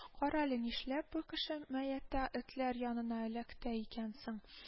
— карале, нишләп бу кеше мәете этләр янына эләкте икән соң